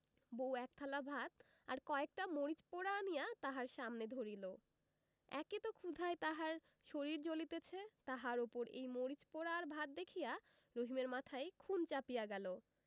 বউ একথালা ভাত আর কয়েকটা মরিচ পোড়া আনিয়া তাহার সামনে ধরিল একে তো ক্ষুধায় তাহার শরীর জ্বলিতেছে তাহার উপর এই মরিচ পোড়া আর ভাত দেখিয়া রহিমের মাথায় খুন চাপিয়া গেল